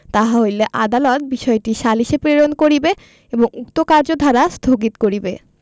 তাহা হইলে আদালত বিষয়টি সালিসে প্রেরণ করিবে এবং উক্ত কার্যধারা স্থগিত করিবে